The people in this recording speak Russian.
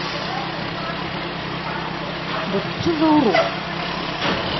вот че за урод